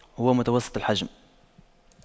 هو متوسط الحجم